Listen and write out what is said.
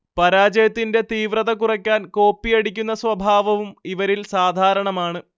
പരാജയത്തിന്റെ തീവ്രത കുറയ്ക്കാൻ കോപ്പിയടിക്കുന്ന സ്വഭാവവും ഇവരിൽ സാധാരണമാണ്